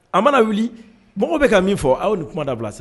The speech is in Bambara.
A mana wuli mɔgɔw bɛ ka min fɔ aw' ye ni kuma dabila sa